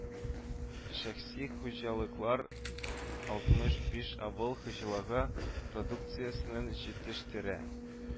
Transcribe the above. Шәхси хуҗалыклар алтмыш биш авыл хуҗалыгы продукциясенең җитештерә